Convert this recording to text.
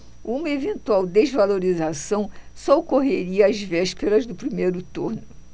uma eventual desvalorização só ocorreria às vésperas do primeiro turno